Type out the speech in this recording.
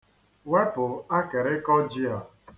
Wepụ akịrịkọ ji a.